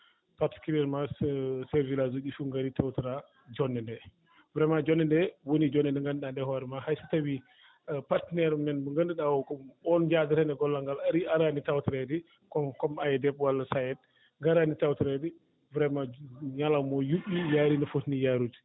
particuliérement chef de village uji fof ngarii tawtoraa joɗnde ndee vraiment joɗnde ndee woni joɗnde nde nganndanɗaa nde hoore ma hay so tawii partenaire men mo ngannduɗaa oo ko oon njaadaten gollal ngal arii araani tawtoreede ko comme AIDEB walla SAED ngaraani tawtoreede vraiment ñalawma oo yuɓɓii yaarii no foti nii yaarude